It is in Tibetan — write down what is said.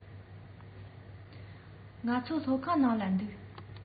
ཁོ ཚོ སློབ ཁང ནང ལ འདུག